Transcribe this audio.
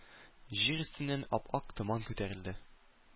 Җир өстеннән ап-ак томан күтәрелде.